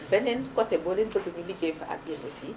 beneen côté boo leen bëgg ñu liggéey fa ak yéen aussi